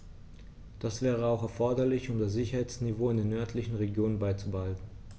Das wäre auch erforderlich, um das Sicherheitsniveau in den nördlichen Regionen beizubehalten.